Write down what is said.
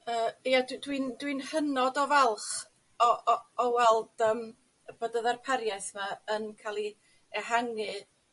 Yy ie dw- dwi'n dwi'n hynod o falch o o o weld yym bod y ddarpariaeth yma yn ca'l 'i ehangu